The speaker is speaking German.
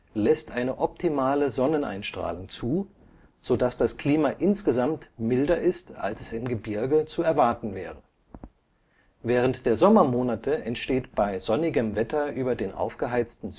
lässt eine optimale Sonneneinstrahlung zu, so dass das Klima insgesamt milder ist, als es im Gebirge zu erwarten wäre. Während der Sommermonate entsteht bei sonnigem Wetter über den aufgeheizten